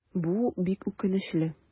Бу бик үкенечле.